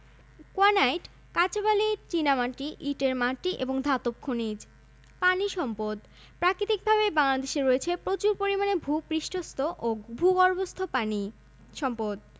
৫৫৬টি money changer ২টি stock exchange Dhaka stock exchange এবং চট্টগ্রাম স্টক এক্সচেঞ্জ ২টি সরকারি ও ৩৯টি বেসরকারি বীমা কোম্পানি